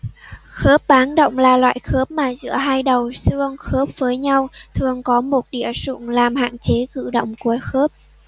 khớp bán động là loại khớp mà giữa hai đầu xương khớp với nhau thường có một đĩa sụn làm hạn chế cử động của khớp